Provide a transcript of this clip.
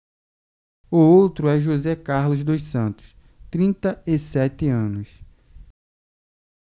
o outro é josé carlos dos santos trinta e sete anos